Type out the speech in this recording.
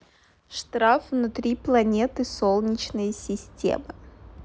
штраф внутри планеты солнечные системы